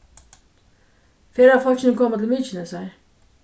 ferðafólkini koma til mykinesar